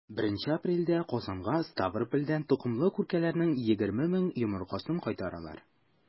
1 апрельдә казанга ставропольдән токымлы күркәләрнең 20 мең йомыркасын кайтаралар.